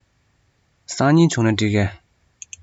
སང ཉིན བྱུང ན འགྲིག ག